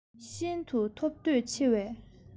ཤིན ཏུ ཐོབ འདོད ཆེ བས